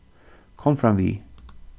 kom framvið